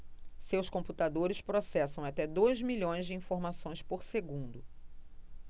seus computadores processam até dois milhões de informações por segundo